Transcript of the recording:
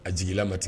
A jigin la matigi